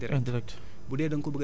wala une utilisation indirecte